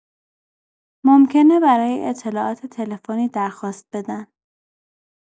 ممکنه برای اطلاعات تلفنی درخواست بدن.